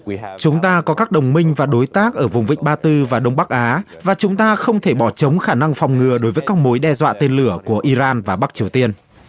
chúng ta có các đồng minh và đối tác ở vùng vịnh ba tư và đông bắc á và chúng ta không thể bỏ trống khả năng phòng ngừa đối với các mối đe dọa tên lửa của i ran và bắc triều tiên